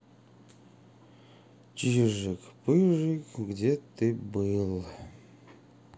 чижик пыжик где ты был